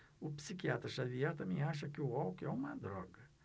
o psiquiatra dartiu xavier também acha que o álcool é uma droga